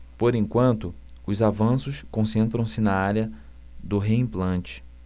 por enquanto os avanços concentram-se na área do reimplante